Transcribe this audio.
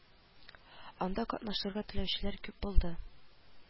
Анда катнашырга теләүчеләр күп булды